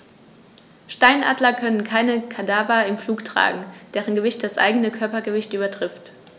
Steinadler können keine Kadaver im Flug tragen, deren Gewicht das eigene Körpergewicht übertrifft.